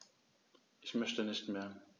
Ich möchte nicht mehr.